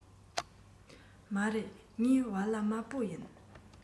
མ རེད ངའི བལ ལྭ དམར པོ ཡིན